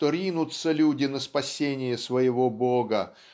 что ринутся люди на спасение своего Бога